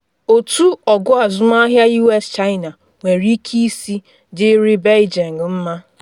Otu ọgụ azụmahịa US-China nwere ike isi dịịrị Beijing mma